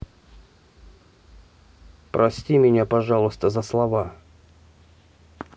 прости меня пожалуйста за слова